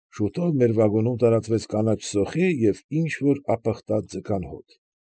Շուտով մեր վագոնում տարածվեց կանաչ սոխի և ինչ֊որ ապխտած ձկան հոտ։